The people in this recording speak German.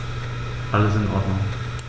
Alles in Ordnung.